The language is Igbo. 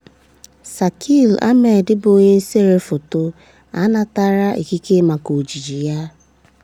Shakil Ahmed bụ onye sere foto, a natara ikike maka ojiji ya.